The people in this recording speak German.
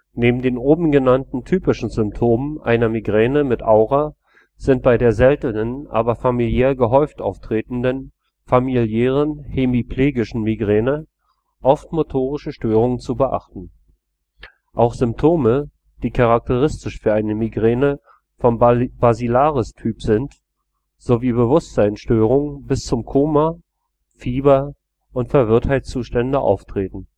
Neben den oben genannten typischen Symptomen einer Migräne mit Aura sind bei der seltenen, aber familiär gehäuft auftretenden familiären hemiplegischen Migräne oft motorische Störungen zu beobachten. Auch Symptome, die charakteristisch für eine Migräne vom Basilaristyp sind, sowie Bewusstseinsstörungen bis zum Koma, Fieber und Verwirrtheitszustände auftreten